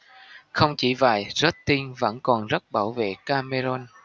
không chỉ vậy justin vẫn còn rất bảo vệ cameron